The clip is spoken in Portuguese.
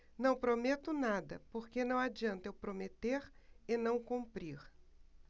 não prometo nada porque não adianta eu prometer e não cumprir